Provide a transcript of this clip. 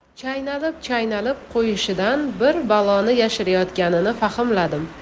chaynalib chaynalib qo'yishidan bir baloni yashirayotganini fahmladim